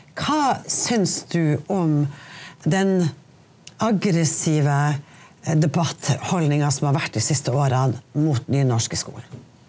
hva synes du om den aggressive debattholdninga som har vært de siste årene mot nynorsk i skolen?